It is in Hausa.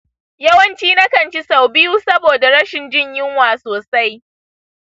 yawanci nakan ci sau biyu saboda rashin jin yunwa sosai.